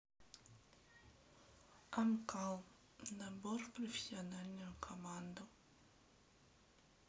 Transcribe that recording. амкал набор в профессиональную команду